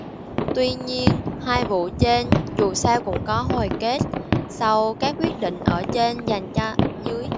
tuy nhiên hai vụ trên dù sao cũng có hồi kết sau các quyết định ở trên dành cho dưới